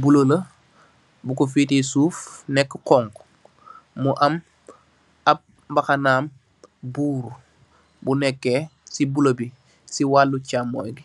blue la buko feteh suuf neka hunhu mu am ab mbahanam burr bu nekeh sey blue bi sey walum Chamang bi.